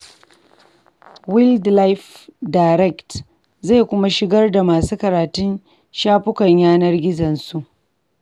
WildlifeDirect zai kuma shigar da masu karatun shafuka yanar gizon su.